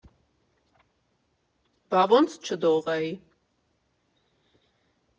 Բա ո՞նց չդողայի։